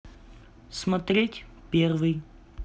смотреть первый